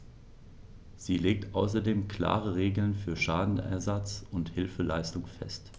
Sie legt außerdem klare Regeln für Schadenersatz und Hilfeleistung fest.